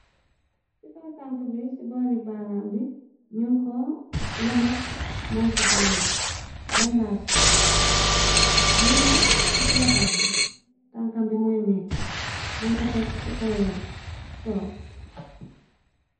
Ci kaw tanka bi ci boori baaram bi ñun ko lëmës monso buweex bandaasko li na ku feebarla tankam bi moy méti nung ko teg ci kaw laal tok.